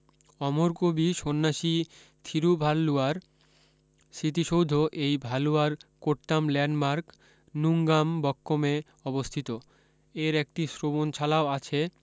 অমর কবি সন্ন্যাসী থিরুভাললুয়ার স্মৃতিসৌধ এই ভালুয়ার কোট্টাম ল্যান্ডমার্ক নুঙ্গামবক্কমে অবস্থিত এর একটি শ্রবণশালাও আছে